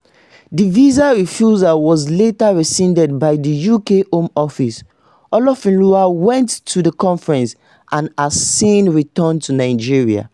The visa refusal was later rescinded by the UK Home Office. Olofinlua went to the conference and has since returned to Nigeria.